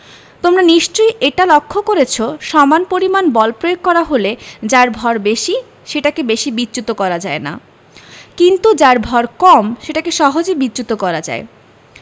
তোমরা নিশ্চয়ই এটা লক্ষ করেছ সমান পরিমাণ বল প্রয়োগ করা হলে যার ভর বেশি সেটাকে বেশি বিচ্যুত করা যায় না কিন্তু যার ভয় কম সেটাকে সহজে বিচ্যুত করা যায়